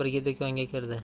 bilan birga do'konga kirdi